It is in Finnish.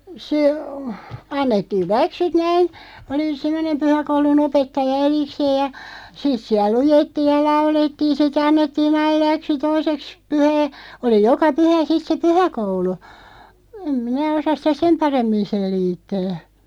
se annettiin läksyt näin oli semmoinen pyhäkoulun opettaja erikseen ja sitten siellä luettiin ja laulettiin sitten annettiin aina läksy toiseksi pyhää oli joka pyhä sitten se pyhäkoulu en minä osaa sitä sen paremmin selittää